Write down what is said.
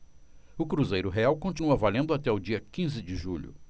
o cruzeiro real continua valendo até o dia quinze de julho